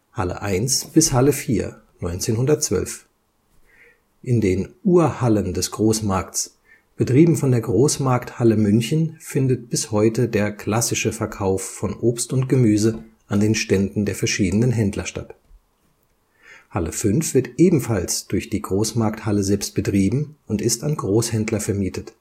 Halle 1 bis Halle 4, 1912 [1-4]: In den „ Ur-Hallen “des Großmarkts, betrieben von der Großmarkthalle München, findet bis heute der „ klassische “Verkauf von Obst und Gemüse an den Ständen der verschiedenen Händler statt. Halle 5,: wird ebenfalls durch die GMH selbst betrieben und ist an Großhändler vermietet